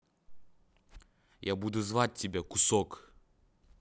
я буду звать тебя кусок